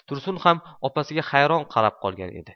tursun ham opasiga xayron qarab qolgan edi